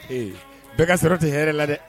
Ee bɛɛ ka sɔrɔ tɛ hɛrɛ la dɛ